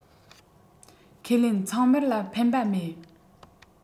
ཁས ལེན ཚང མར ལ ཕན པ མེད